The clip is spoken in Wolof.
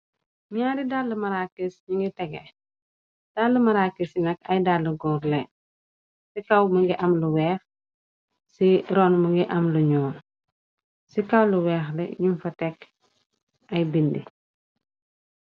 Ñaari dall maraakis ñi ngi tege, dall marakis yinag ay dall gòor leen ci kaw më ngi am lu weeh, ci rone mu ngi am lu ñuul ci kaw lu weeh le ñung fa tekk ay bindi.